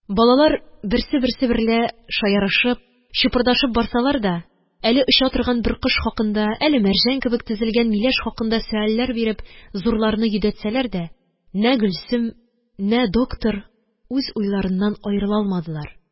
Балалар берсе-берсе берлә шаярышып, чупырдашып барсалар да, әле оча торган бер кош хакында, әле мәрҗән кебек тезелгән миләш хакында сөальләр биреп зурларны йөдәтсәләр дә, нә Гөлсем, нә доктор үз уйларыннан аерыла алмадылар.